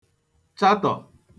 chatọ